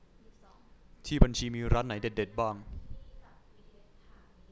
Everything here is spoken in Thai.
ที่บัญชีมีร้านไหนเด็ดเด็ดบ้าง